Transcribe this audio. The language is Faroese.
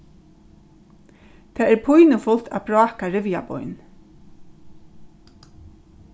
tað er pínufult at bráka rivjabein